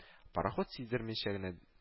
Пароход сиздермичә генә